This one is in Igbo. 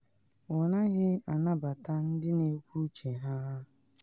Ọ naghị anabata ndị na ekwu uche ha